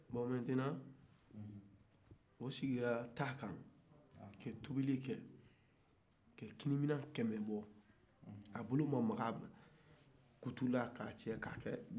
bon maintenant o sigira tasuma kan ka tobili kɛ ka tinin minan kɛmɛ bɔ ka sɔrɔ a bolo ma maga kutu la ka kɛ barama la